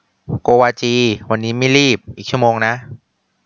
โกวาจีวันนี้ไม่รีบอีกชั่วโมงนะ